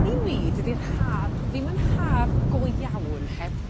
I mi dydi'r Haf ddim yn Haf go iawn heb